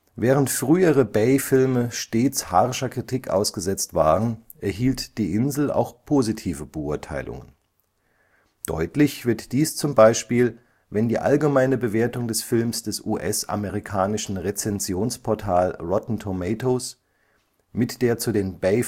Während frühere Bay-Filme stets harscher Kritik ausgesetzt waren, erhielt Die Insel auch positive Beurteilungen. Deutlich wird dies zum Beispiel, wenn die allgemeine Bewertung des Films des US-amerikanischen Rezensionsportal Rotten Tomatoes mit der zu den Bay-Filmen